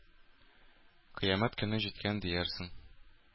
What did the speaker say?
Кыямәт көне җиткән диярсең.